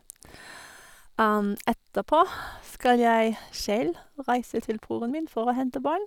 Etterpå skal jeg selv reise til broren min for å hente barn.